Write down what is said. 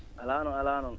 alaa noon alaa noon